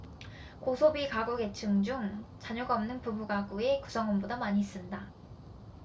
고소비가구계층 중 자녀가 없는 부부가구의 구성원보다 많이 쓴다